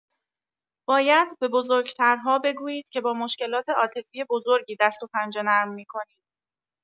باید به بزرگ‌ترها بگویید که با مشکلات عاطفی بزرگی دست‌وپنجه نرم می‌کنید.